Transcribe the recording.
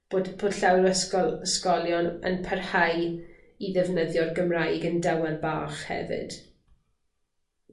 bod bod llawer o ysgol- ysgolion yn parhau i ddefnyddio'r Gymraeg yn dywel bach hefyd.